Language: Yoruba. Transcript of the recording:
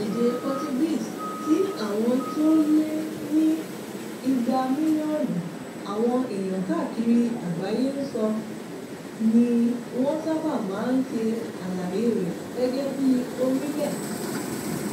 Èdè Portuguese, tí àwọn tí ó lé ní 200 mílíọ̀nù àwọn èèyàn káàkiri àgbáyé ń sọ, ní wọ́n sábà máa ń ṣe àlàyé rẹ̀ gẹ́gẹ́ bíi "orílẹ̀"